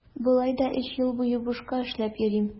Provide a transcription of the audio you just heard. Болай да өч ел буе бушка эшләп йөрим.